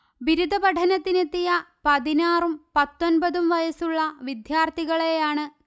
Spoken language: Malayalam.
ബിരുദ പഠനത്തിനെത്തിയ പതിനാറും പത്തൊൻപതും വയസ്സുള്ള വിദ്യാർഥികളെയാണ്